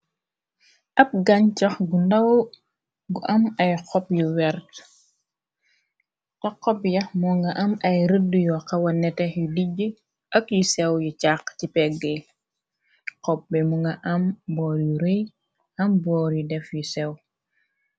ab gañ cox gu ndaw gu am ay xob yu wert tax-xob yax moo nga am ay rëdd yo xawa netex yu dijj ak yi sew yi càq ci pegg xob bi mu nga am boor yu rëy am boor yi def yi sew